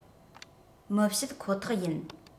མི བཤད ཁོ ཐག ཡིན